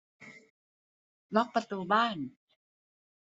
ล็อกประตูบ้าน